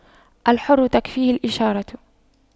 الحر تكفيه الإشارة